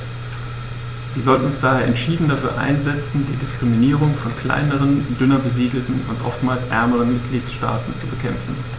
Wir sollten uns daher entschieden dafür einsetzen, die Diskriminierung von kleineren, dünner besiedelten und oftmals ärmeren Mitgliedstaaten zu bekämpfen.